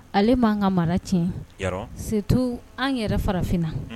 Ale'an ka mara tiɲɛ setu an yɛrɛ farafinna